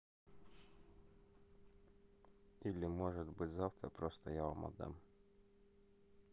или может быть завтра просто я вам отдам